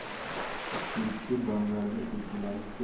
ikkinchisi donyorga erkalanib jimgina